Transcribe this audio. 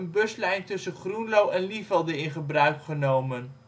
buslijn tussen Groenlo en Lievelde in gebruik genomen